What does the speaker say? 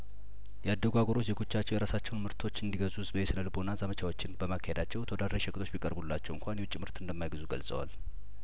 ያደጉ አገሮች ዜጐቻቸው የራሳቸውን ምርቶች እንዲ ገዙ ህዝባዊ የስነ ልቦና ዘመቻዎችን በማካሄዳቸው ተወዳዳሪ ሸቀጦች ቢቀርቡላቸው እንኳ የውጭምርት እንደማይገዙ ገልጸዋል